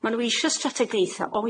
Ma' n'w eisio strategaethe,